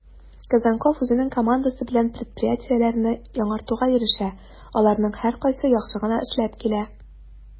Козонков үзенең командасы белән предприятиеләрне яңартуга ирешә, аларның һәркайсы яхшы гына эшләп килә: